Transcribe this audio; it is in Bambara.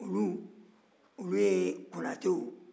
olu olu ye konatɛw